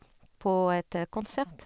På et konsert.